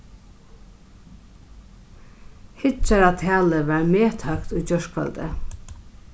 hyggjaratalið var methøgt í gjárkvøldið